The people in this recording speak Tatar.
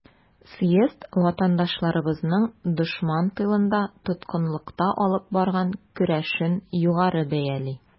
Съезд ватандашларыбызның дошман тылында, тоткынлыкта алып барган көрәшен югары бәяли.